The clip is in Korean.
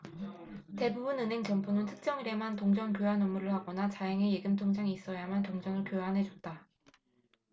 대부분 은행 점포는 특정일에만 동전 교환 업무를 하거나 자행의 예금통장이 있어야만 동전을 교환해줬다